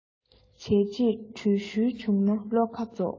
བྱས རྗེས དྲུད ཤུལ བྱུང ན བློ ཁ རྫོགས